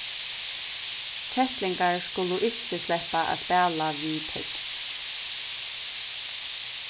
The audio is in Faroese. kettlingar skulu ikki sleppa at spæla við tógv